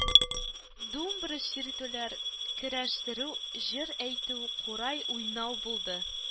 Думбра чиртүләр, көрәштерү, җыр әйтү, курай уйнау булды.